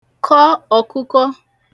kọ ọkụ̀kọ